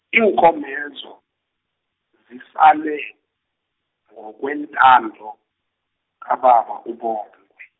iinkomezo, zisale, ngokwentando, kababa uBongwe.